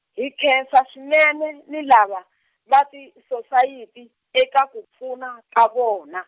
hi nkhensa swinene ni lava, va tisosayiti eka ku pfuna ka vona.